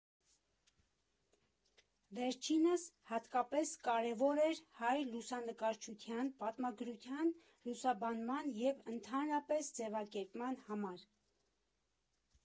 Վերջինս հատկապես կարևոր էր հայ լուսանկարչության պատմագրության լուսաբանման և ընդհանրապես ձևակերպման համար։